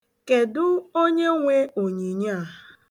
Kedụ onye nwe onyinyo a?